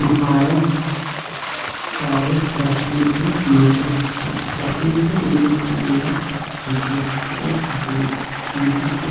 Waa qol waxaa yaalla fadhi iyo miis midabkoodii yihiin midood dhulka